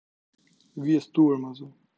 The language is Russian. вес тормоза